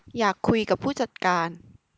อยากคุยกับผู้จัดการ